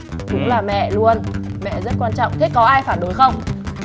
đúng là mẹ luôn mẹ rất quan trọng thế có ai phản đối không